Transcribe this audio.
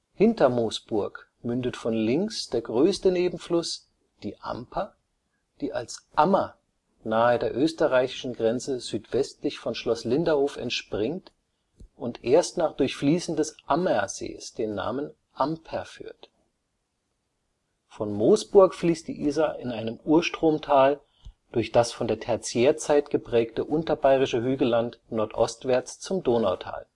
Hinter Moosburg mündet von links der größte Nebenfluss, die Amper, die als Ammer nahe der österreichischen Grenze südwestlich von Schloss Linderhof entspringt und erst nach Durchfließen des Ammersees den Namen Amper führt. Von Moosburg fließt die Isar in einem Urstromtal durch das von der Tertiärzeit geprägte Unterbayerische Hügelland nordostwärts zum Donautal